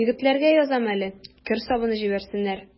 Егетләргә язам әле: кер сабыны җибәрсеннәр.